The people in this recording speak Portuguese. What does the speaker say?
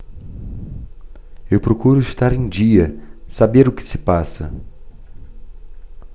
eu procuro estar em dia saber o que se passa